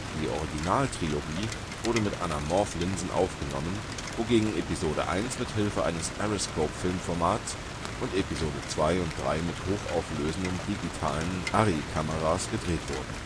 Die „ Originaltrilogie “wurde mit Anamorph-Linsen aufgenommen, wogegen Episode I mithilfe eines Arriscope-Filmformats und Episode II und III mit hochauflösenden digitalen ARRI-Kameras gedreht wurden